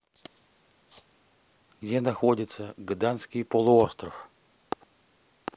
где находится гыданский полуостров